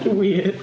Weird.